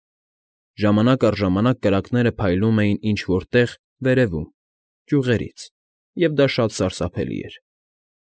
Ժամանակ առ ժամանակ կրակները փայլում էին ինչ֊որ տեղ, վերևում, ճյուղերից, և դա շատ սարսափելի էր։